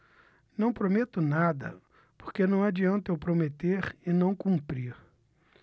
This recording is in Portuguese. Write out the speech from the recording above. não prometo nada porque não adianta eu prometer e não cumprir